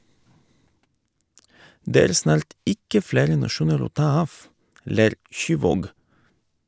- Det er snart ikke flere nasjoner å ta av, ler Kyvåg.